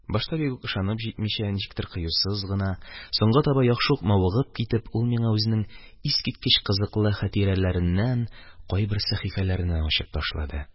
Башта бик үк ышанып җитмичә, ничектер кыюсыз гына, соңга таба яхшы ук мавыгып китеп, ул миңа үзенең искиткеч кызыклы хатирәләреннән кайбер сәхифәләрне ачып ташлады